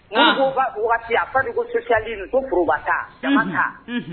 Ba waati a fa koli kobata ka